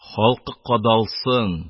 Халкы кадалсын,